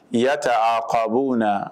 I y'a ta a kɔbu na